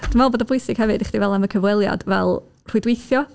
Dwi'n meddwl bod o'n bwysig hefyd i chdi feddwl am y cyfweliad fel rhwydweithio.